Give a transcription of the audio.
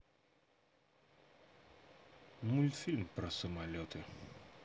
мультфильмы про самолеты